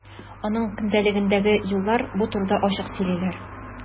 Аның көндәлегендәге юллар бу турыда ачык сөйлиләр.